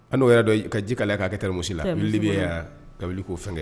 An n'o yɛrɛ dɔn ka ji k'a k'a kɛmuso lali bɛ kabili ko fɛn kɛ